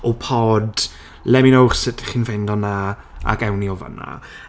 O pod, let me know sut chi'n ffindo 'na, ac ewn ni o fan'na.